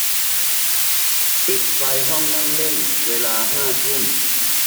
ปิดไฟห้องนั่งเล่นเวลาห้าทุ่ม